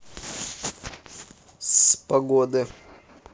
с погоды